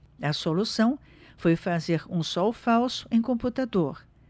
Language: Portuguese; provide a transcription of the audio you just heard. a solução foi fazer um sol falso em computador